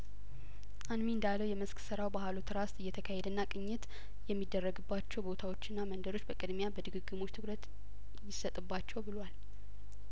አንሚ እንዳለው የመስክ ስራው በሀሎ ትራስት እየተካሄደና ቅኝት የሚደረግባቸው ቦታዎችና መንደሮች በቅድሚያ በድግግሞሽ ትኩረት ይሰጥባቸው ብሏል